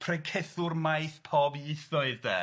Pregethwr maith pob ieithoedd de.